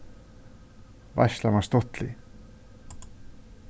veitslan var stuttlig